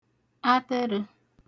atə̣rə̣̄